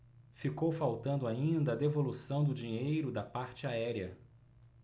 ficou faltando ainda a devolução do dinheiro da parte aérea